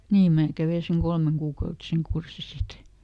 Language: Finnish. niin minä kävin sen kolmekuukautisen kurssin sitten